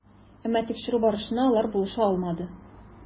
Әмма тикшерү барышына алар булыша алмады.